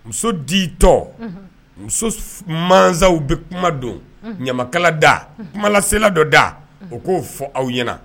Muso di tɔ. Unhun. Musow s mansaw bɛ kuma do. Unhun. Ɲamakala da,. Unhun. Kumalasela dɔ da. Un. U k'o fɔ aw ɲɛna.